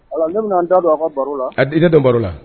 Ola ne bɛ na n da don a ka baro la don baro la.